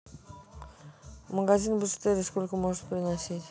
магазин бижутерии сколько может приносить